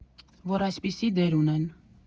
Որ այսպիսի դեր ունեն…